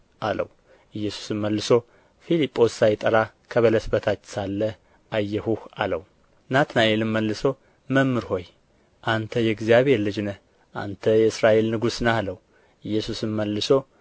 አለው ኢየሱስም መልሶ ፊልጶስ ሳይጠራህ ከበለስ በታች ሳለህ አየሁህ አለው ናትናኤልም መልሶ መምህር ሆይ አንተ የእግዚአብሔር ልጅ ነህ አንተ የእስራኤል ንጉሥ ነህ አለው ኢየሱስም መልሶ